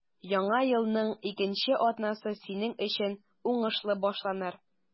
Яңа елның икенче атнасы синең өчен уңышлы башланыр.